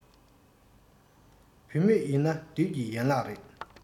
བུད མེད ཡིན ན བདུད ཀྱི ཡན ལག རེད